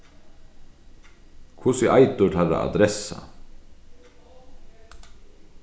hvussu eitur teirra adressa